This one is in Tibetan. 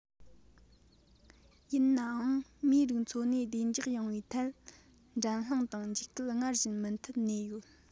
ཡིན ནའང མིའི རིགས འཚོ གནས བདེ འཇགས ཡོང བའི ཐད འགྲན སློང དང འཇིགས སྐུལ སྔར བཞིན མུ མཐུད གནས ཡོད